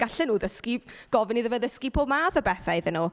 Allen nhw ddysgu... gofyn iddo fe ddysgu pob math o bethe iddyn nhw.